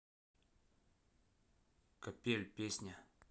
капель песня